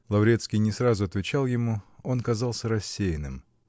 Лаврецкий не сразу отвечал ему: он казался рассеянным.